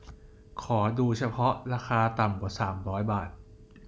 ขอดูเฉพาะราคาต่ำกว่าสามร้อยบาท